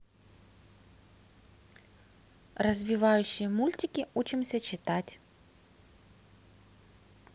развивающие мультики учимся читать